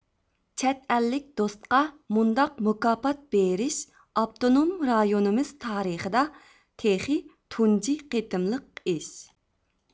چەت ئەللىك دوستقا مۇنداق مۇكاپات بېرىش ئاپتونوم رايونىمىز تارىخىدا تېخى تۇنجى قېتىملىق ئىش